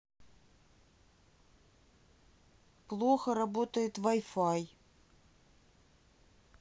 плохо работает wi fi